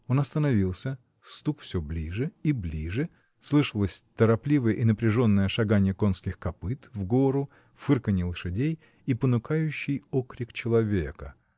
Он остановился, стук всё ближе и ближе, слышалось торопливое и напряженное шаганье конских копыт в гору, фырканье лошадей и понукающий окрик человека.